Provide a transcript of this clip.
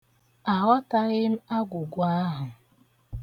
Aghọtaghị m agwụgwa ahụ.